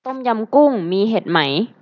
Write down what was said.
ต้มยำกุ้งมีเห็ดไหม